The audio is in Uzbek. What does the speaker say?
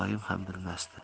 oyim ham bilmasdi